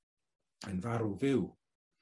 Mae'n farw fyw.